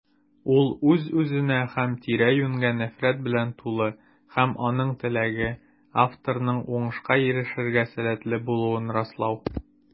Ул үз-үзенә һәм тирә-юньгә нәфрәт белән тулы - һәм аның теләге: авторның уңышка ирешергә сәләтле булуын раслау.